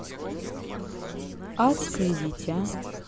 адское дитя